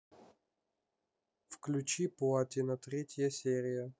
включи платина третья серия